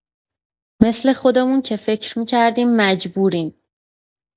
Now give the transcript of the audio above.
مثل خودمون که فکر می‌کردیم مجبوریم.